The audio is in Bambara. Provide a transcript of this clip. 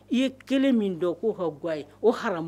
I ye 1 min dɔn k'o ka gon a ye o haram